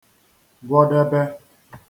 gwọdebe